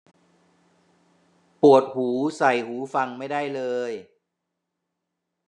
ปวดหูใส่หูฟังไม่ได้เลย